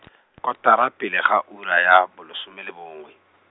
kotara pele ga ura ya bolesome le bongwe.